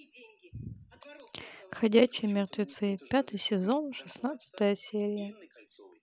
ходячие мертвецы пятый сезон шестнадцатая серия